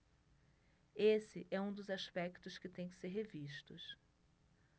esse é um dos aspectos que têm que ser revistos